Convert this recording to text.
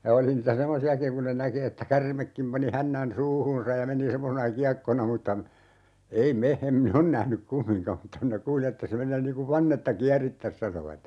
ja oli niitä semmoisiakin kun ne näki että käärmekin pani hännän suuhunsa ja meni semmoisena kiekkona mutta ei me en minä ole nähnyt kumminkaan mutta minä kuulin että se menee niin kuin vannetta kierittäisi sanovat